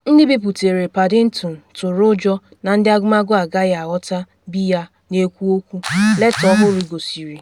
Ndị biputere Paddington tụrụ ụjọ na ndị agụmagụ agaghị aghọta biya na ekwu okwu, leta ọhụrụ gosiri